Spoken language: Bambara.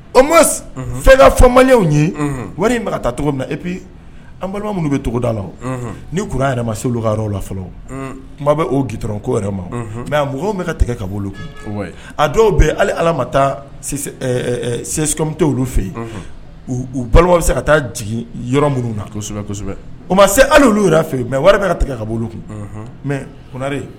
O ma fɛn ka fɔmaw ye wari in bɛka ka taa cogo min epi an balima minnu bɛ cogoda la ni kura yɛrɛ ma seluka yɔrɔ la fɔlɔ kuma bɛ'o ga dɔrɔnko yɛrɛ ma mɛ a mɔgɔw bɛ ka tɛgɛ ka bolo kun a dɔw bɛ hali ala ma taa ssɔnmɛte olu fɛ yen u balima bɛ se ka taa jigin yɔrɔ minnu nasɛbɛsɛbɛ o ma se hali yɛrɛ fɛ yen mɛ wɛrɛ bɛ ka tɛgɛ ka kun mɛ konare